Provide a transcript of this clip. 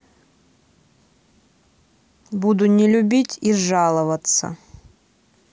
буду не любить и жаловаться